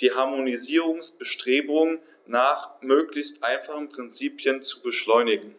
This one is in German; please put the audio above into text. die Harmonisierungsbestrebungen nach möglichst einfachen Prinzipien zu beschleunigen.